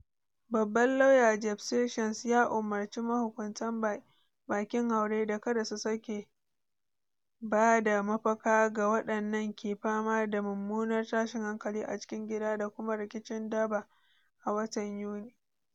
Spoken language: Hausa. Babban Lauya Jeff Sessions ya umarci mahukuntan bakin haure da kada su sake ba da mafaka ga waɗanda ke fama da mummunar tashin hankali a cikin gida da kuma rikicin daba a watan Yuni.